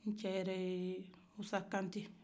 ncɛ yɛrɛ ye musa kante